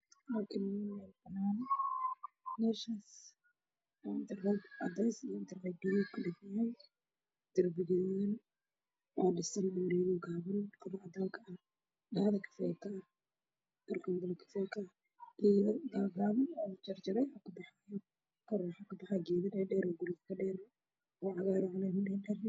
Waxaa ii muuqda maqaayad magaceedu yahay hillaac waxa ku yaala banaan geeso cagaar